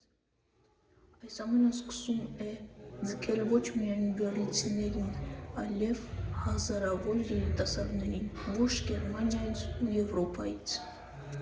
Այս ամենը սկսում է ձգել ոչ միայն բեռլինցիներին, այլև հազարավոր երիտասարդների ողջ Գերմանիայից ու Եվրոպայից։